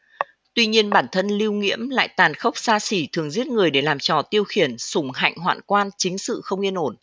tuy nhiên bản thân lưu nghiễm lại tàn khốc xa xỉ thường giết người để làm trò tiêu khiển sủng hạnh hoạn quan chính sự không yên ổn